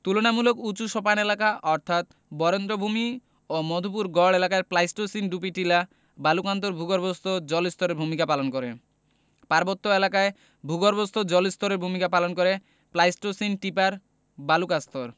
তুলনামূলক উঁচু সোপান এলাকা অর্থাৎ বরেন্দ্রভূমি ও মধুপুরগড় এলাকায় প্লাইসটোসিন ডুপি টিলা বালুকাস্তর ভূগর্ভস্থ জলস্তরের ভূমিকা পালন করে পার্বত্য এলাকায় ভূগর্ভস্থ জলস্তরের ভূমিকা পালন করে প্লাইসটোসিন টিপাম বালুকাস্তর